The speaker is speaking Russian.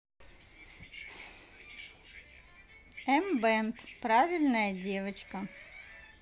mband правильная девочка